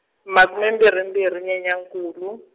makume mbirhi mbirhi Nyenyankulu.